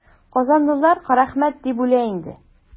Казанлылар Карәхмәт дип үлә инде.